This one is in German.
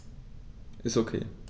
Ist OK.